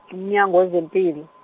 uMnyango weZempilo.